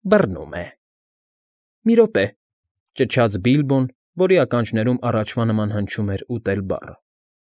Բռնում է։ ֊ Մի րոպե…֊ ճչաց Բիլբոն, որի ականջներում առաջվա նման հնչում էր «ուտել» բառը։